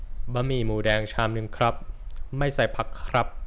บะหมี่หมูแดงชามนึงครับไม่ใส่ผักครับ